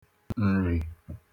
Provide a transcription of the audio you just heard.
Nri